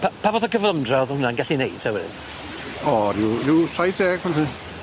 Pa pa fath o cyflymdra o'dd wnna'n gallu neud te wedyn? O ryw ryw saith deg felly.